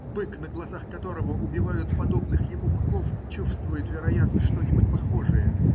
Бык, на глазах которого убивают подобных ему быков, чувствует, вероятно, что-нибудь похожее.